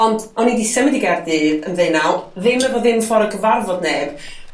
ond oni 'di symud i Gaerdydd yn ddeunaw ddim efo ddim ffordd o gyfarfod neb